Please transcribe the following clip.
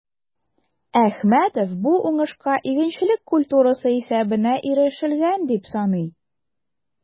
Әхмәтов бу уңышка игенчелек культурасы исәбенә ирешелгән дип саный.